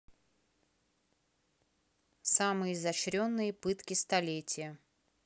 самые изощренные пытки столетия